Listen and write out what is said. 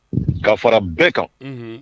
Ka fɔra bɛɛ kan